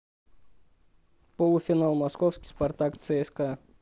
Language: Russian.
полуфинал московский спартак цска